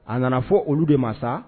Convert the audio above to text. A nana fɔ olu de masa